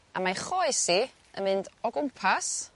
A mae choes 'i yn mynd o gwmpas